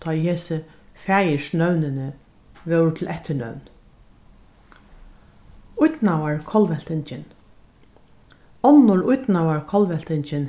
tá ið hesi faðirsnøvnini vórðu til eftirnøvn ídnaðarkollveltingin onnur ídnaðarkollveltingin